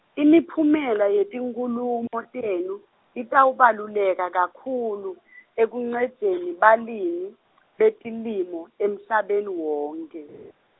imiphumela yetinkhulumo tenu, itawubaluleka kakhulu , ekuncendzeni balirni, betilimo, emhlabeni wonkhe.